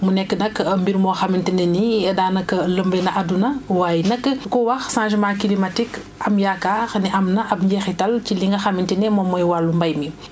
mu nekk nag mbir moo xamante ne nii daanaka lëmbee na adduna waaye nag ku wax changement climatique am yaakaar ne am na ab njeexital ci li nga xamante ne moom mooy wàllu mbay mi